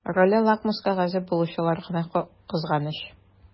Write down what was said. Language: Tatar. Роле лакмус кәгазе булучылар гына кызганыч.